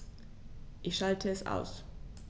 Ich schalte es aus.